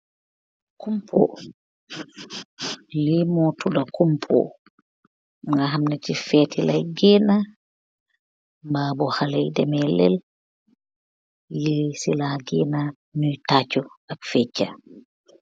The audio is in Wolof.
kumpo bu nehka ce lil di tachu ak fehcha.